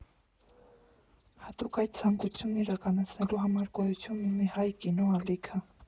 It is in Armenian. Հատուկ այդ ցանկությունն իրականացելու համար գոյությունի ունի Հայ կինո ալիքը։